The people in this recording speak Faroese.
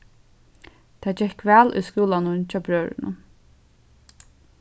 tað gekk væl í skúlanum hjá brøðrunum